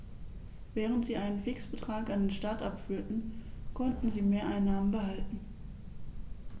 Während sie einen Fixbetrag an den Staat abführten, konnten sie Mehreinnahmen behalten.